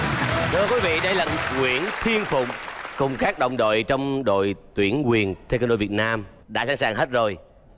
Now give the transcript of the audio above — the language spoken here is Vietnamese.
thưa quý vị đây là nguyễn thiên phụng cùng các đồng đội trong đội tuyển quyền tây côn đô việt nam đã sẵn sàng hết rồi